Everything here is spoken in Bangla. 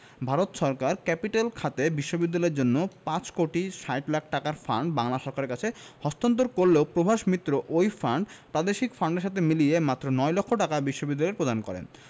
ভারত সরকার ক্যাপিটেল খাতে বিশ্ববিদ্যালয়ের জন্য ৫ কোটি ৬০ লাখ টাকার ফান্ড বাংলা সরকারের কাছে হস্তান্তর করলেও প্রভাস মিত্র ওই ফান্ড প্রাদেশিক ফান্ডেলর সাথে মিলিয়ে মাত্র নয় লক্ষ টাকা বিশ্ববিদ্যালয়কে প্রদান করেন